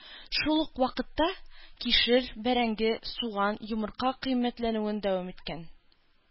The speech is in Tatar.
Шул ук вакытта кишер, бәрәңге, суган, йомырка кыйммәтләнүен дәвам иткән.